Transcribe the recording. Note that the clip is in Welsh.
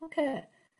ocê,